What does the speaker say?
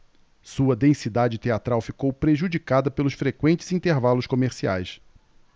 sua densidade teatral ficou prejudicada pelos frequentes intervalos comerciais